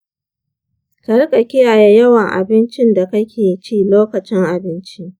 ka riƙa kiyaye yawan abincin da kake ci lokacin abinci.